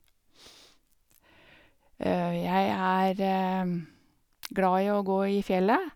Jeg er glad i å gå i fjellet.